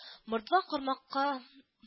Мордва кармакка